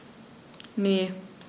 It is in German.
Ne.